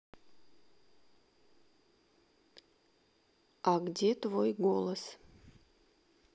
а где твой голос